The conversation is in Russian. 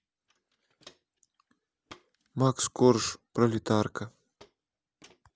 макс корж пролетарка